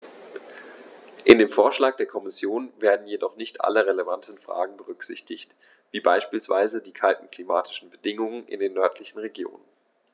In dem Vorschlag der Kommission werden jedoch nicht alle relevanten Fragen berücksichtigt, wie beispielsweise die kalten klimatischen Bedingungen in den nördlichen Regionen.